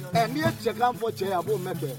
Ɛ n'i ye cɛkan fɔ cɛ ye a k'o mɛn bɛn